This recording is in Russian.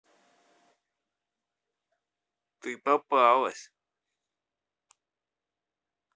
ты попалась